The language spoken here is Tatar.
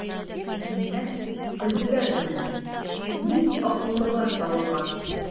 Миннән көлделәр генә: "Нинди акыллы баш табылган!"